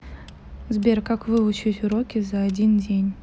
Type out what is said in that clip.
сбер как выучить уроки за один день